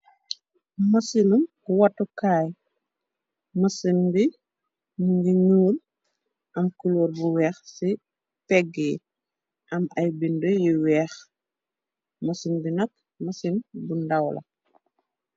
Mësil watukaay mësin bi mu ngi nuul am kulor bu weex ci pegg yi am ay bind yu weex mësin bi nakk mësin bu ndawla.